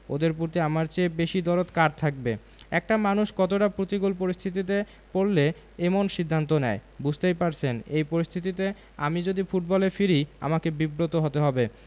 ওদের প্রতি আমার চেয়ে বেশি দরদ কার থাকবে একটা মানুষ কতটা প্রতিকূল পরিস্থিতিতে পড়লে এমন সিদ্ধান্ত নেয় বুঝতেই পারছেন এই পরিস্থিতিতে আমি যদি ফুটবলে ফিরি আমাকে বিব্রত হতে হবে